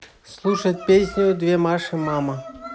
слушать песню две маши мама